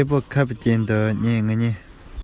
ཉིན དེ ཉི འོད ཤིན ཏུ གསལ བའི ཉིན ཞིག རེད